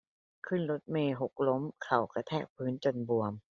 ขึ้นรถเมล์หกล้มเข่ากระแทกพื้นจนบวม